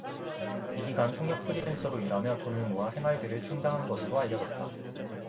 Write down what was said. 이 기간 통역 프리랜서로 일하며 돈을 모아 생활비를 충당한 것으로 알려졌다